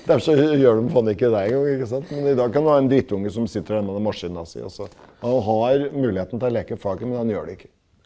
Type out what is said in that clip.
der så gjør dem faen ikke i det en gang ikke sant, men i dag kan du ha en drittunge som sitter der med den maskina si, altså man har muligheten til å leke faget men man gjør det ikke.